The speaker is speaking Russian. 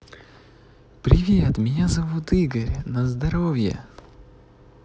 привет меня зовут игорь на здоровье